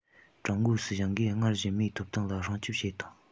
ཀྲུང གོའི སྲིད གཞུང གིས སྔར བཞིན མིའི ཐོབ ཐང ལ སྲུང སྐྱོབ བྱེད དང